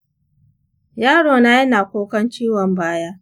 yaro na yana kukan ciwon baya.